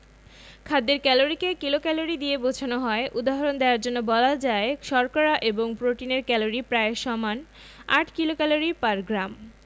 খাদ্যের ক্যালরিকে কিলোক্যালরি দিয়ে বোঝানো হয় উদাহরণ দেয়ার জন্যে বলা যায় শর্করা এবং প্রোটিনের ক্যালরি প্রায় সমান ৮ কিলোক্যালরি পার গ্রাম